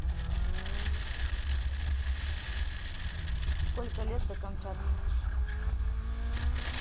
сколько лететь до камчатки